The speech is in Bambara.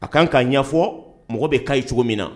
A kan ka ɲɛfɔ mɔgɔ bɛ ka ɲi cogo min na